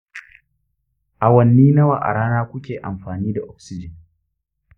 awanni nawa a rana kuke amfani da oxygen?